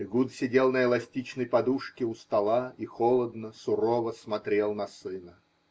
Эгуд сидел на эластичной подушке у стола и холодно, сурово смотрел на сына.